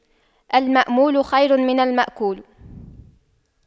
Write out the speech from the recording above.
المأمول خير من المأكول